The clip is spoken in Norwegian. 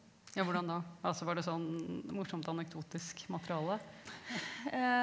ja hvordan da, altså var det sånn morsomt anekdotisk materiale?